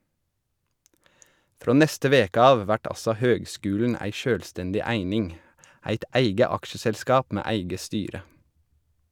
Frå neste veke av vert altså høgskulen ei sjølvstendig eining , eit eige aksjeselskap med eige styre.